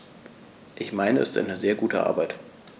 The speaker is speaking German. Ich meine, es ist eine sehr gute Arbeit.